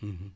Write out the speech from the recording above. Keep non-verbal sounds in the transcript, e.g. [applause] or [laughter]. [hesitation] [hesitation]